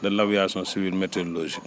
de l' aviation civile météorologie